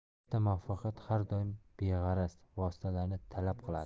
katta muvaffaqiyat har doim beg'araz vositalarni talab qiladi